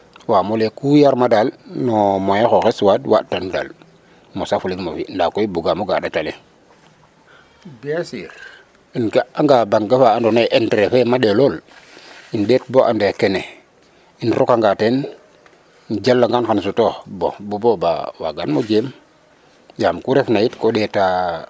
Waam o lay ee ku yarma daal no moyen xooxes waaɗtan daal mosafulinum o fi' ndaa koy bugaam o ga' a ƭat ale; bien sur um ga'anga banque fa andoona yee intéret fe meɗee lool um ɗeet bo ande kene um rokanga teen um jalangaan xam sutoox bon bu boba waaganum o jeem yaam ku refna yit ko ɗetaa.